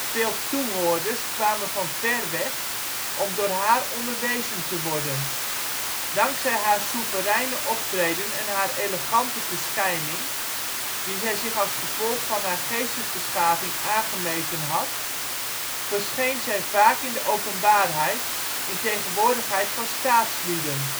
Veel toehoorders kwamen van ver weg om door haar onderwezen te worden. Dankzij haar soevereine optreden en haar elegante verschijning, die zij zich als gevolg van haar geestesbeschaving aangemeten had, verscheen zij vaak in de openbaarheid in tegenwoordigheid van staatslieden